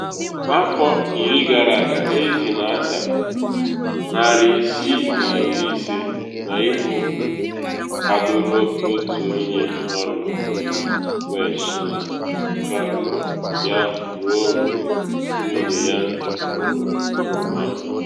Afọ iri gara aga, ezi na ada 650 n’ibu kpadoro otu onye ọrụ ubi Welsh na traktọ ya ruo mgbe nwunye ya chụpụrụ anụmanụ ahụ.